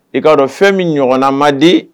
I kaa dɔn fɛn min ɲɔgɔnna ma di